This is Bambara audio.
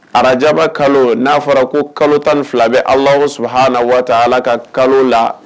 Arajaba kalo n'a fɔra ko kalo tan ni fila bɛ ala o su hana waa ala ka kalo la